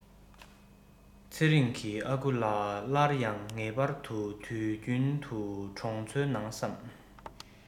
ཚེ རིང གི ཨ ཁུ ལ སླར ཡང ངེས པར དུ དུས རྒྱུན དུ གྲོང ཚོའི ནང བསམ